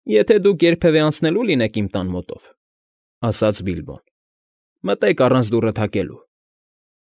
Եթե դուք երբևէ անցնելու լինեք իմ տան մոտով,֊ ասաց Բիլբոն,֊ մտեք առանց դուռը թակելու։